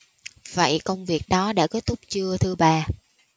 vậy công việc đó đã kết thúc chưa thưa bà